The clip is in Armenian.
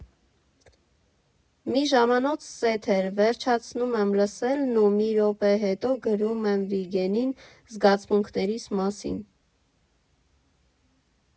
Մի ժամանոց սեթ էր, վերջացնում եմ լսելն ու մի րոպե հետո գրում եմ Վիգենին զգացմունքներիս մասին։